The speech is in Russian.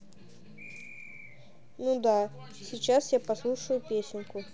ну да сейчас я послушаю песенку